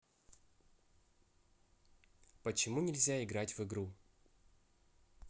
почему нельзя играть в игру